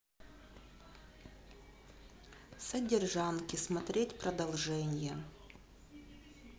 содержанки смотреть продолжение